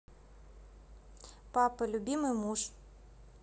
папа любимый муж